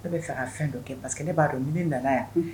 Ne bɛ fɛ ka fɛn dɔ kɛ parceseke ne b'a dɔn ɲinin nana yan